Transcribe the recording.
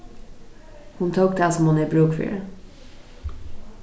hon tók tað sum hon hevði brúk fyri